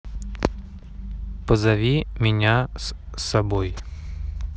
позови меня с собой